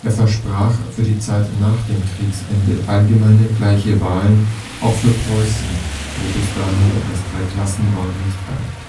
Er versprach für die Zeit nach dem Kriegsende allgemeine, gleiche Wahlen auch für Preußen, wo bis dahin das Dreiklassenwahlrecht galt